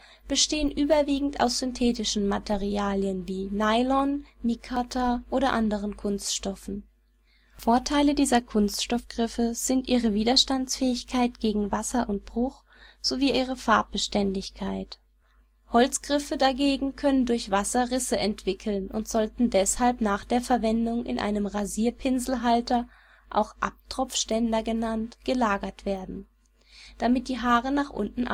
bestehen überwiegend aus synthetischen Materialien wie Nylon, Micarta oder anderen Kunststoffen. Vorteile dieser Kunststoffgriffe sind ihre Widerstandsfähigkeit gegen Wasser und Bruch, sowie ihre Farbbeständigkeit. Holzgriffe dagegen können durch Wasser Risse entwickeln und sollten deshalb nach der Verwendung in einem Rasierpinselhalter (auch: „ Abtropfständer “) gelagert werden, damit die Haare nach unten